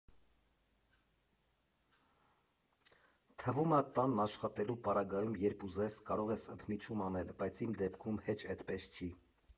Թվում ա՝ տանն աշխատելու պարագայում, երբ ուզես, կարող ես ընդմիջում անել, բայց իմ դեպքում հեչ էդպես չի։